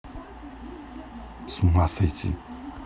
с ума сойти